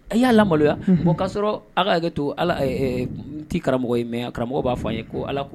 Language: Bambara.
I y'a la maloya o'a sɔrɔ ala hakɛ kɛ to tɛ karamɔgɔ in mɛn karamɔgɔ b'a fɔ a ye ko ala ko